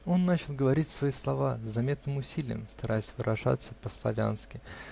Он начал говорить свои слова, с заметным усилием стараясь выражаться по-славянски.